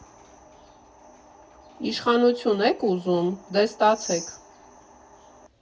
Իշխանություն եք ուզում, դե՛ ստացեք։